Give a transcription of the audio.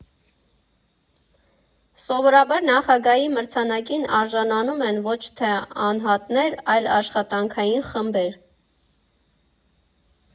Սովորաբար Նախագահի մրցանակին արժանանում են ոչ թե անհատներ, այլ աշխատանքային խմբեր։